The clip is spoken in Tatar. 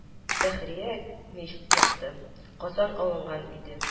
Бәхрия мич якты, казан алынган иде